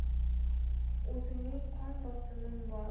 o'zimning qon bosimim bor